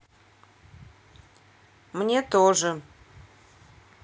мне тоже